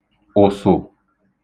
ụ̀sụ̀